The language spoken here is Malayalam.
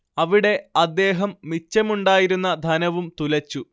അവിടെ അദ്ദേഹം മിച്ചമുണ്ടായിരുന്ന ധനവും തുലച്ചു